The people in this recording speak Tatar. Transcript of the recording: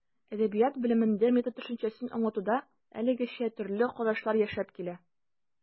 Әдәбият белемендә метод төшенчәсен аңлатуда әлегәчә төрле карашлар яшәп килә.